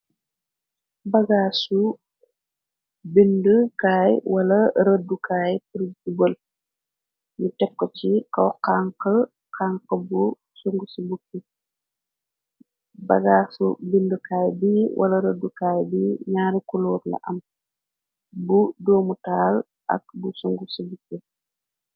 bagaasu bindukaay wala rëddukaay pr bol yu tekk ci kaaa bagaasu bindukaay bi wala, rëddukaay bi ñaari kuloor la am bu doomu taal ak bu sungu si bukki.